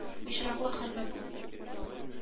Стеналар ялтырап торалар.